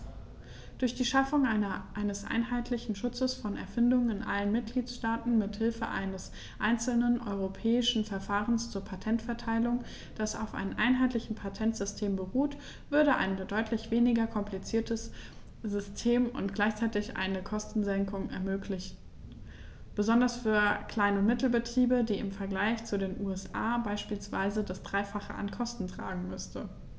Durch die Schaffung eines einheitlichen Schutzes von Erfindungen in allen Mitgliedstaaten mit Hilfe eines einzelnen europäischen Verfahrens zur Patenterteilung, das auf einem einheitlichen Patentsystem beruht, würde ein deutlich weniger kompliziertes System und gleichzeitig eine Kostensenkung ermöglicht, besonders für Klein- und Mittelbetriebe, die im Vergleich zu den USA beispielsweise das dreifache an Kosten tragen müssen.